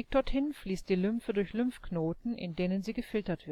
dorthin fließt die Lymphe durch Lymphknoten, in denen sie gefiltert